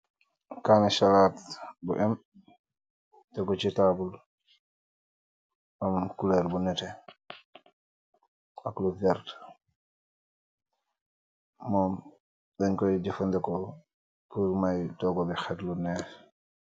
Kaani salad bu em tegu chi taabul, am couleur bu nehteh ak lu vert, mom dengh koi jeufandehkor pur meii togah bii hehtt lu nekh.